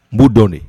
N b'u dɔn de